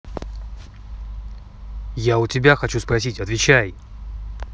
я у тебя хочу спросить отвечай